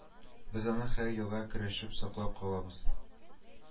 Без аны һәр елга көрәшеп саклап калабыз